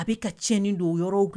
A bɛ ka cɛnin don yɔrɔ dilan